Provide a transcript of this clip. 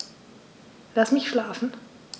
Lass mich schlafen